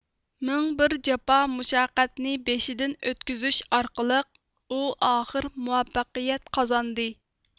مىڭ بىر جاپا مۇشەققەتنى بېشىدىن ئۆتكۈزۈش ئارقىلىق ئۇ ئاخىر مۇۋەپپەقىيەت قازاندى